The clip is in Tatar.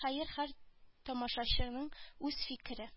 Хәер һәр тамашачының үз фикере